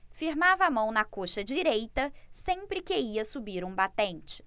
firmava a mão na coxa direita sempre que ia subir um batente